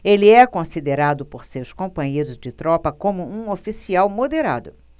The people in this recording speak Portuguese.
ele é considerado por seus companheiros de tropa como um oficial moderado